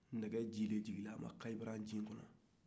nɛge jii de jiginna a kan kayibara jin kn